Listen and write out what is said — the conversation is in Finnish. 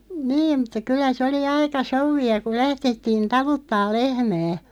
niin mutta kyllä se oli aika souvia kun lähdettiin taluttamaan lehmää